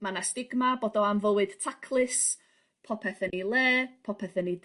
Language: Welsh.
Ma' 'na stigma bod o am fywyd taclus popeth yn 'i le popeth yn 'i